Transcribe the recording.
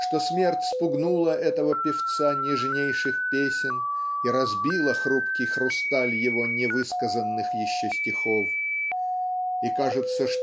что смерть спугнула этого певца нежнейших песен и разбила хрупкий хрусталь его не высказанных еще стихов. И кажется